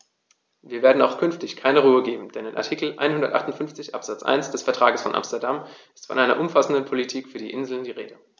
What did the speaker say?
Wir werden auch künftig keine Ruhe geben, denn in Artikel 158 Absatz 1 des Vertrages von Amsterdam ist von einer umfassenden Politik für die Inseln die Rede.